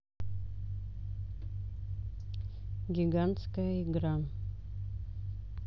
гигантская игра